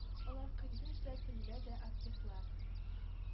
Алар көндез дә төнлә дә активлар